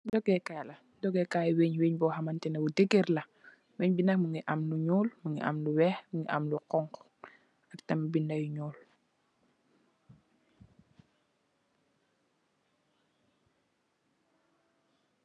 Doge Kai la, doge kai wéñ bu degar la, weñ bi nak mugii am lu ñuul, mugii am wèèx, mugii am xonxu ak tamid bindé yu ñuul.